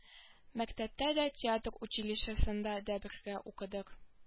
Мәктәптә дә театр училищесында да бергә укыдык